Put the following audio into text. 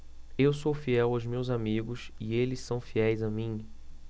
eu sou fiel aos meus amigos e eles são fiéis a mim